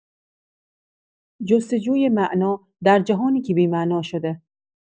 جست‌وجوی معنا در جهانی که بی‌معنا شده.